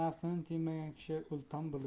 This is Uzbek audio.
nafsini tiymagan kishi ulton bo'lur